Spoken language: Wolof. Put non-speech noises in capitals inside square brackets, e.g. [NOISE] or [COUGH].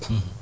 [HESITATION] [HESITATION]